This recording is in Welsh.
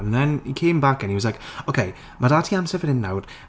and then he came back and he was like ok "mae 'da ti amser fan hyn nawr."